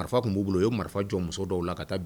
Marifa tun b'u bolo u ye marifa jɔ muso dɔw la ka taa